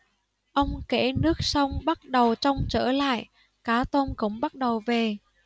ông kể nước sông bắt đầu trong trở lại cá tôm cũng bắt đầu về